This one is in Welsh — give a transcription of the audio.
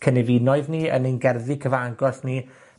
cynefinoedd ni, yn ein gerddi cyfagos ni,